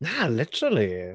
Na literally.